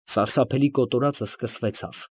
Սարսափելի կոտորածը սկսվեցավ։